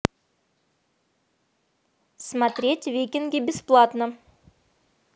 смотреть викинги бесплатно